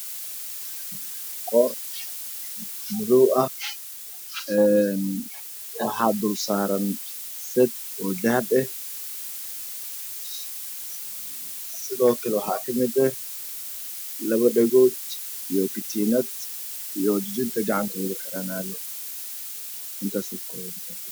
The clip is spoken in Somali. Qoor madow ah waxaa dulsaaran sad bahab ah, waxaa kamid ah labo dhagood iyo katiinad iyo jijin.